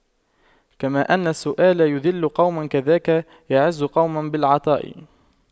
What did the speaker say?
كما أن السؤال يُذِلُّ قوما كذاك يعز قوم بالعطاء